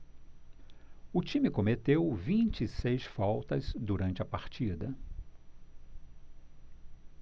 o time cometeu vinte e seis faltas durante a partida